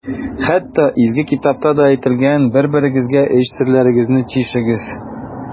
Хәтта Изге китапта да әйтелгән: «Бер-берегезгә эч серләрегезне чишегез».